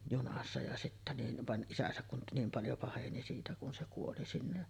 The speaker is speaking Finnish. junassa ja sitten niin vaan isänsä kun niin paljon paheni siitä kun se kuoli sinne